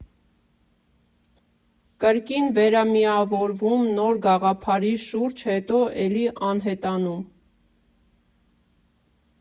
Կրկին վերամիավորվում նոր գաղափարի շուրջ, հետո էլի անհետանում։